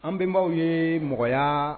An bɛnbawaw ye nɔgɔya